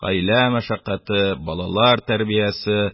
Гаилә мәшәкате, балалар тәрбиясе,